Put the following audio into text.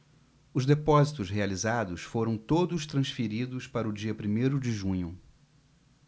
os depósitos realizados foram todos transferidos para o dia primeiro de junho